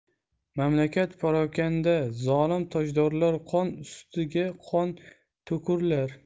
mamlakat parokanda zolim tojdorlar qon ustiga qon to'kurlar